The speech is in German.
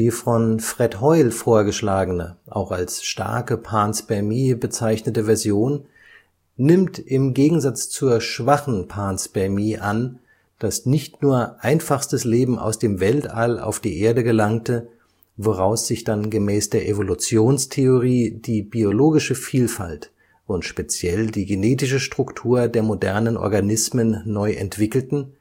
von Fred Hoyle vorgeschlagene, auch als starke Panspermie bezeichnete Version nimmt im Gegensatz zur „ schwachen “Panspermie an, dass nicht nur einfachstes Leben aus dem Weltall auf die Erde gelangte, woraus sich dann gemäß der Evolutionstheorie die biologische Vielfalt und speziell die genetische Struktur der modernen Organismen neu entwickelten